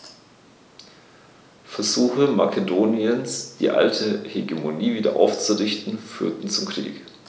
Versuche Makedoniens, die alte Hegemonie wieder aufzurichten, führten zum Krieg.